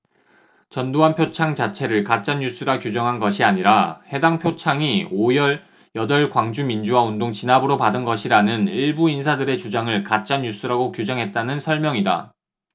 전두환 표창 자체를 가짜 뉴스라 규정한 것이 아니라 해당 표창이 오 열 여덟 광주민주화 운동 진압으로 받은 것이라는 일부 인사들의 주장을 가짜 뉴스라고 규정했다는 설명이다